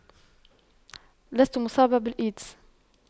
لست مصابة بالإيدز